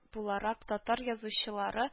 Буларак, татар язучылары